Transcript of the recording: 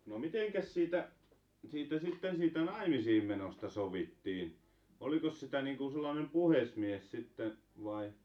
no mitenkäs siitä siitä sitten siitä naimisiinmenosta sovittiin olikos sitä niin kuin sellainen puhemies sitten vai